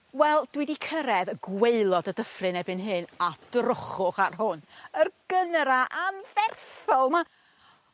Wel dwi 'di cyrredd y gwaelod y Dyffryn erbyn hyn a drychwch ar hwn yr Gunnera anferthol 'ma!